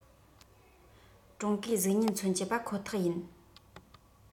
ཀྲུང གོའི གཟུགས བརྙན མཚོན གྱི པ ཁོ ཐག ཡིན